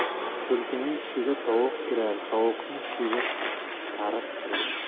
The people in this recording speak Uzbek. tulkining tushiga tovuq kirar tovuqning tushiga tariq kirar